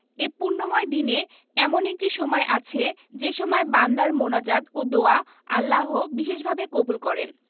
এ পুণ্যময় দিনে এমন একটি সময় আছে যে সময় বান্দার মোনাজাত ও দোয়া আল্লাহ বিশেষভাবে কবুল করেন